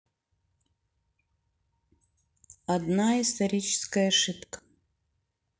одна историческая ошибка